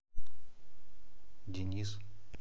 денис